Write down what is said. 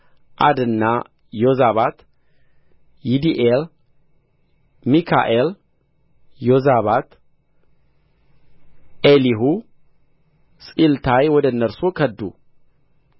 ዓድና ዮዛባት ይዲኤል ሚካኤል ዮዛባት ኤሊሁ ጺልታይ ወደ እርሱ ከዱ